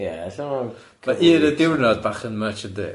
Ie allan o- Ma' un y diwrnod bach yn much yndi?